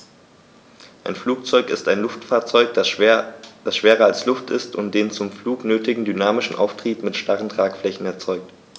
Ein Flugzeug ist ein Luftfahrzeug, das schwerer als Luft ist und den zum Flug nötigen dynamischen Auftrieb mit starren Tragflächen erzeugt.